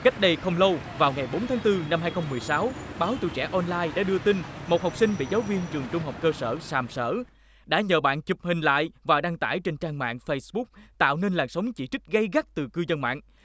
cách đây không lâu vào ngày bốn tháng tư năm hai không mười sáu báo tuổi trẻ on lai đã đưa tin một học sinh bị giáo viên trường trung học cơ sở sàm sỡ đã nhờ bạn chụp hình lại và đăng tải trên trang mạng phây búc tạo nên làn sóng chỉ trích gay gắt từ cư dân mạng